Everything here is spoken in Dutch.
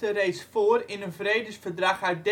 reeds voor in een vredesverdrag uit